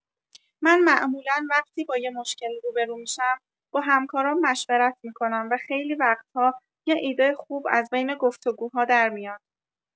من معمولا وقتی با یه مشکل روبه‌رو می‌شم، با همکارام مشورت می‌کنم و خیلی وقت‌ها یه ایده خوب از بین گفت‌وگوها درمیاد.